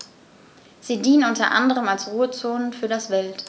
Sie dienen unter anderem als Ruhezonen für das Wild.